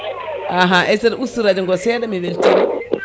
ahan Aissata ustu radio ngo seeɗa mi weltima